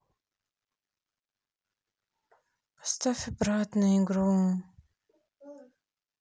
поставь обратно игру